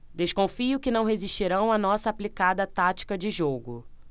desconfio que não resistirão à nossa aplicada tática de jogo